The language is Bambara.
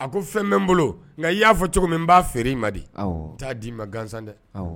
A ko fɛn bɛ n bolo nka i y'a fɔ cogo min n b'a feere i ma di n t'a d di'i ma gansan dɛ